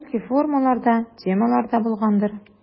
Бәлки формалар да, темалар да булгандыр.